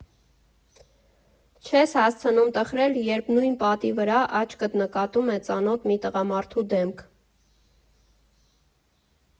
Չես հասցնում տխրել, երբ նույն պատի վրա աչքդ նկատում է ծանոթ մի տղամարդու դեմք։